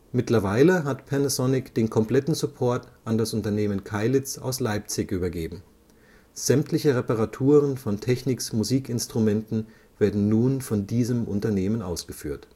Mittlerweile hat Panasonic den kompletten Support an das Unternehmen Keilitz aus Leipzig übergeben. Sämtliche Reparaturen von Technics-Musikinstrumenten werden nun von diesem Unternehmen ausgeführt